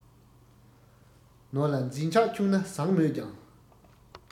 ནོར ལ འཛིན ཆགས ཆུང ན བཟང མོད ཀྱང